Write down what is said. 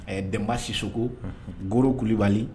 A ye denba sisoko goro kulibali